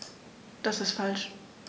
Das ist falsch.